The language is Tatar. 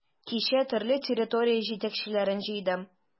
Кичә төрле территория җитәкчеләрен җыйдым.